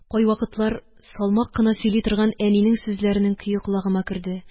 Кайвакытлар салмак кына сөйли торган әнинең сүзләренең көе колагыма керде